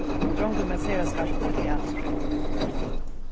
drongurin var sera skarpur í alisfrøði